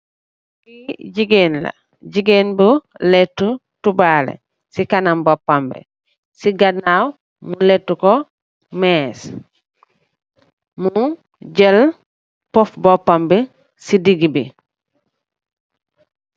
Ki gigeen la gigeen bu lèttu timbale ci kanam bópambi ci ganaw mu lèttu ko més mu jél puff bópambi ci deggi bi.